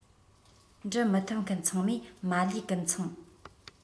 འབྲི མི ཐུབ མཁན ཚང མས མ ལུས ཀུན ཚང